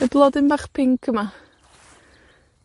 Y blodyn bach pinc yma.